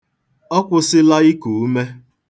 Ọ kwụsịla iku ume.